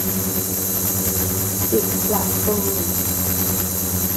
ปิดประตู